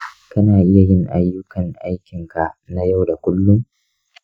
kana iya yin ayyukan aikinka na yau da kullun?